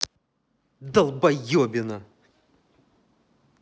долбоебина